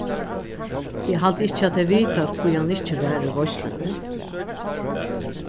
eg haldi ikki at tey vita hví hann ikki var í veitsluni